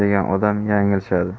degan odam yanglishadi